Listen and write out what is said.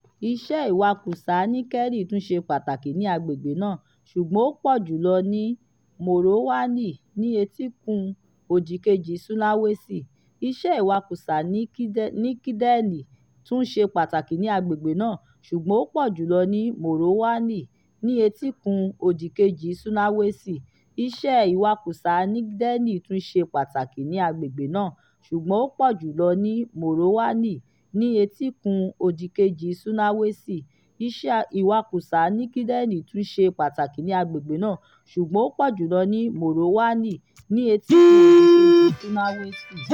Iṣẹ́ ìwakùsà Nickel tún ṣe pàtàkì ní agbègbè náà, ṣùgbọ́n ó pọ̀ jùlọ ní Morowali, ní etíkun òdìkejì Sulawesi.